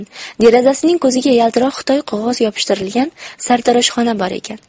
derazasining ko'ziga yaltiroq xitoy qog'oz yopishtirilgan sartaroshxona bor ekan